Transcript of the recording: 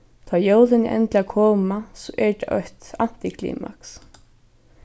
tá jólini endiliga koma so er tað eitt antiklimaks